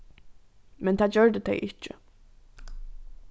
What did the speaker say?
men tað gjørdu tey ikki